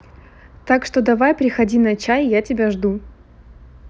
так что давай приходи на чай я тебя жду